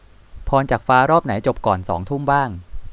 พรจากฟ้ารอบไหนจบก่อนสองทุ่มบ้าง